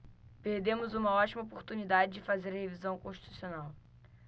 perdemos uma ótima oportunidade de fazer a revisão constitucional